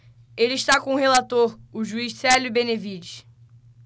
ele está com o relator o juiz célio benevides